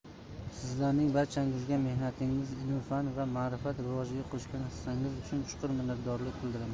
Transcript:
sizlarning barchangizga mehnatingiz ilm fan va ma'rifat rivojiga qo'shgan hissangiz uchun chuqur minnatdorlik bildiraman